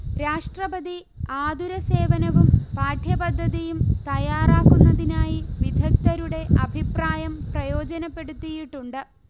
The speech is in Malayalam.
രാഷ്ട്രപതി ആതുര സേവനവും പാഠ്യ പദ്ധതിയും തയ്യാറാക്കുന്നതിനായി വിദഗ്ധരുടെ അഭിപ്രായം പ്രയോജനപ്പെടുത്തിയിട്ടുണ്ട്